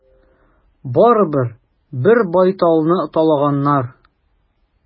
Барыбер, бер байталны талаганнар.